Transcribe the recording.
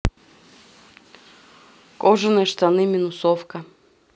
кожаные штаны минусовка